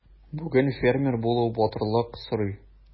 Бүген фермер булу батырлык сорый.